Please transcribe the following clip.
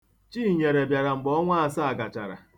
Chinyere bịara mgbe ọnwa asaa gachara.